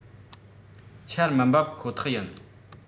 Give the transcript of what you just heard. ཆར མི འབབ ཁོ ཐག ཡིན